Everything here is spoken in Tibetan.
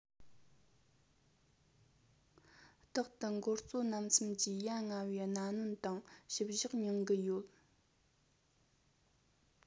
རྟག ཏུ འགོ གཙོ རྣམ གསུམ གྱི ཡ ང བའི གནའ གནོན དང བཤུ གཞོག མྱང གི ཡོད